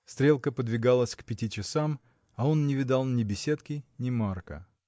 Стрелка подвигалась к пяти часам, а он не видал ни беседки, ни Марка.